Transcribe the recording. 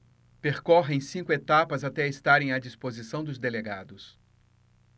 percorrem cinco etapas até estarem à disposição dos delegados